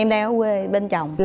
em đang ở quê bên chồng